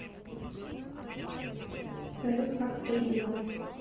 салют как твои дела